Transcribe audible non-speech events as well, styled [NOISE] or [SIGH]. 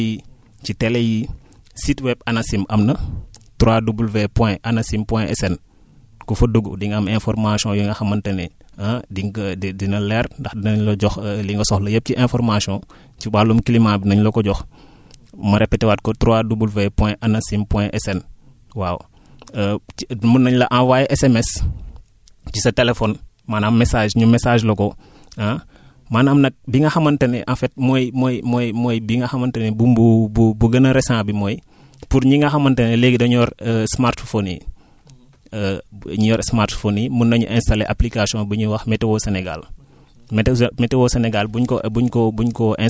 [HESITATION] maanaam ñu ngi koy amee ci ci rajo yi ci tele yi site web ANACIM am na WWW.anacim.sn ku fa dugg di nga am information yi nga xamante ne ah di nga dina leer ndax dinañ la jox [HESITATION] li nga soxla yépp ci information [BREATH] si wàllum climat bi dinan la ko jox ma répéter waat ko WWW.anacim.sn waaw [HESITATION] ci mun nañ la envoyer SMS ci sa téléphone maanaam message ñu message la ko [BREATH] ah maanaam nag bi nga xamante ne en fait mooy mooy mooy mooy bi nga xamante ne bu bu bu gën a récent bi mooy pour ñi nga xamante ne léegi dañoo yor Smartphone yi [HESITATION] ñi yor Smartphone yi mun nañu installer application bu ñuy wax météo Sénégal